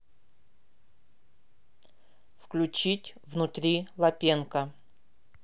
включить внутри лапенко